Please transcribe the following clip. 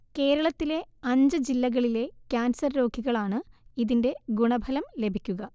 കേരളത്തിലെ അഞ്ച് ജില്ലകളിലെ കാൻസർ രോഗികളാണ് ഇതിന്റെ ഗുണഫലം ലഭിക്കുക